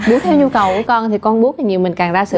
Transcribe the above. theo nhu cầu của con thì con bú nhiều mình càng ra sữa